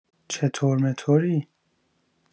چطور مطوری؟